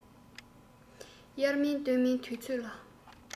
དབྱར མིན སྟོན མིན དུས ཚོད ལ